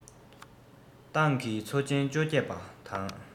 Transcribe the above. ཏང གི ཚོགས ཆེན བཅོ བརྒྱད པ དང